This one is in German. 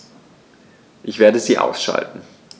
Ich werde sie ausschalten